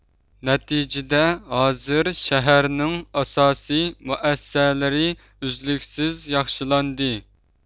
نەتىجىدە ھازىر شەھەرنىڭ ئاساسىي مۇئەسسەسىلىرى ئۈزلۈكسىز ياخشىلاندى